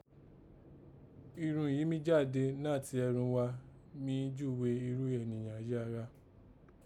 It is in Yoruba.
Irun yìí mí jáde nàti ẹrun ghá mí júghe irú ènìyàn yìí a gha